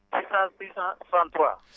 600 663